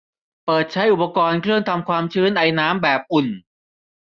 เปิดใช้อุปกรณ์เครื่องทำความชื้นไอน้ำแบบอุ่น